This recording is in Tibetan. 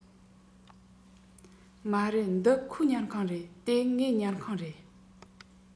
མ རེད འདི ཁོའི ཉལ ཁང རེད དེ ངའི ཉལ ཁང རེད